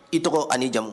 I tɔgɔ ani ni jamumu